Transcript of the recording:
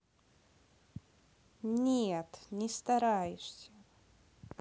нет не стараешься